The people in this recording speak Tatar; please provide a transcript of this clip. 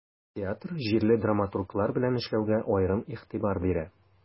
Театр җирле драматурглар белән эшләүгә аерым игътибар бирә.